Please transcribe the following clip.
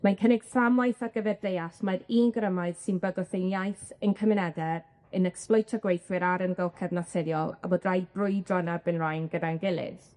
Mae'n cynnig fframwaith ar gyfer deall mai'r un grymoedd sy'n bygwth ein iaith ein cymunede yn ecsbloitio gweithwyr a'r amgylchedd naturiol, a bod rhaid brwydro yn erbyn rain gyda'n gilydd.